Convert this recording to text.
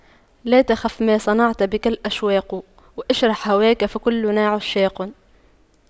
لا تخف ما صنعت بك الأشواق واشرح هواك فكلنا عشاق